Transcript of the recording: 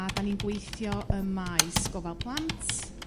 A dan ni'n gweithio ym maes gofal plant